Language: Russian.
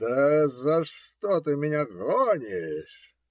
Да за что ты меня гонишь?